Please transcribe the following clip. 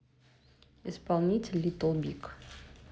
исполнитель литл биг